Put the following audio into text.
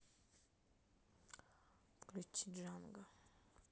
включи джанго